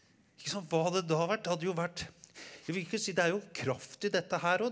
ikke sant hva hadde da vært det hadde jo vært jeg vil ikke si det er jo kraft i dette her òg.